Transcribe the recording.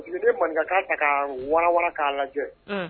Mankakan ta ka wawa k'a lajɛ